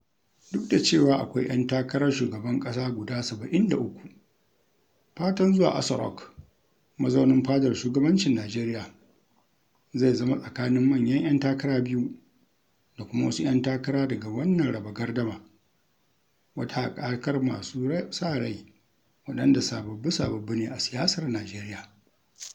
Duk da cewa akwai 'yan takarar shugaban ƙasa guda 73, fatan zuwa Aso Rock - mazaunin fadar shugabancin Najeriya - zai zama tsakanin manyan 'yan takara biyu da kuma wasu 'yan takara daga wannan "raba gardama", wata haɗakar masu sa-rai waɗanda sababbi-sababbi ne a siyasar Najeriya.